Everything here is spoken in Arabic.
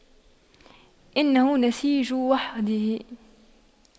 إنه نسيج وحده